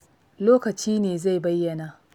Lokaci ne zai bayyana.